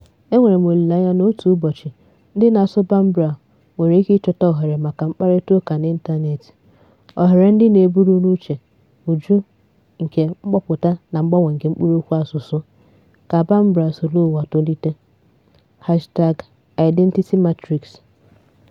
E nwere m olileanya na otu ụbọchị, ndị na-asụ Bambara nwere ike ịchọta oghere maka mkparịtaụka n'ịntaneetị, oghere ndị na-eburu n'uche uju nke mkpọpụta na mgbanwe nke mkpụrụokwu asụsụ, ka Bambara soro ụwa tolite #identitymatrix.